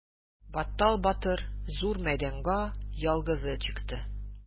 Баттал батыр зур мәйданга ялгызы чыкты.